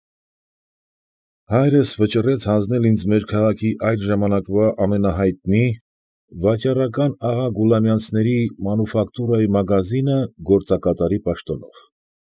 Հայրս վճռեց հանձնել ինձ մեր քաղաքի այդ ժամանակվա ամենահայտնի վաճառական աղա Գուլամյանցների մանուֆակտուրայի մագազինը գործակատարի պաշտոնով։